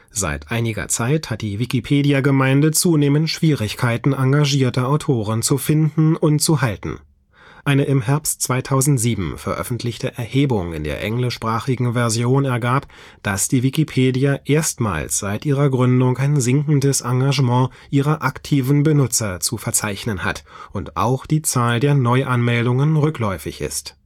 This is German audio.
Seit einiger Zeit hat die Wikipedia-Gemeinde zunehmend Schwierigkeiten, engagierte Autoren zu finden und zu halten. Eine im Herbst 2007 veröffentlichte Erhebung in der englischsprachigen Version ergab, dass die Wikipedia erstmals seit ihrer Gründung ein sinkendes Engagement ihrer aktiven Benutzer zu verzeichnen hat, und auch die Zahl der Neuanmeldungen rückläufig ist